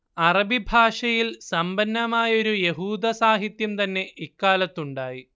അറബി ഭാഷയിൽ സമ്പന്നമായൊരു യഹൂദസാഹിത്യം തന്നെ ഇക്കാലത്തുണ്ടായി